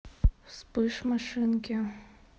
вспыш машинки